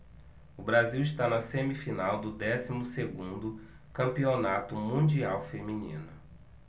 o brasil está na semifinal do décimo segundo campeonato mundial feminino